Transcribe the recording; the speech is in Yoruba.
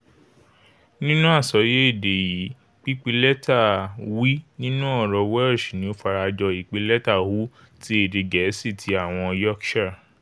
Nínú àsọyé èdé yìí pípe lẹ́tà w nínu ọ̀rọ̀ Welsh ni ó farajọ ìpè lẹ́tà u ti èdè Geesi ti àwọn Yorkshire.